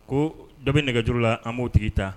Ko da nɛgɛjuru la an b'o tigi taa